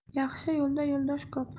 yaxshi yo'lda yo'ldosh ko'p